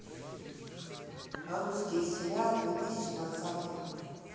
русские сериалы две тысячи двадцатого